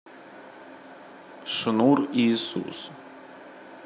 шнур иисус